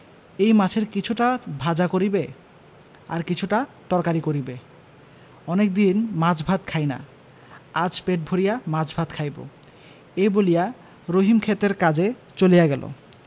এই মাছের কিছুটা ভাজা করিবে আর কিছুটা তরকারি করিবে অনেকদিন মাছ ভাত খাই না আজ পেট ভরিয়া মাছ ভাত খাইব এই বলিয়া রহিম ক্ষেতের কাজে চলিয়া গেল